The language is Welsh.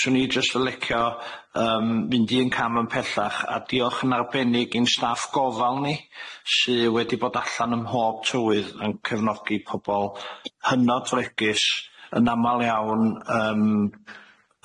swn i jyst yn licio yym mynd un cam yn pellach a diolch yn arbennig i'n staff gofal ni sy wedi bod allan ym mhob tywydd yn cefnogi pobol hynod fregus yn amal iawn yym,